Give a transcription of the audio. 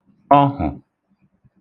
ọhụ̀